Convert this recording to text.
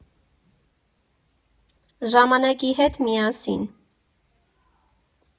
Ժամանակի հետ միասին։